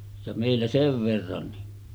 ja meillä sen verran niin